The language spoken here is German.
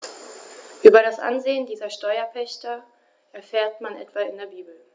Über das Ansehen dieser Steuerpächter erfährt man etwa in der Bibel.